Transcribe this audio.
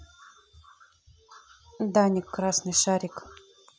даник красный шарик